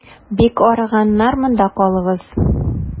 Бик арыганнар, монда калыгыз.